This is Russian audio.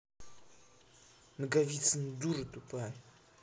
наговицына дура тупая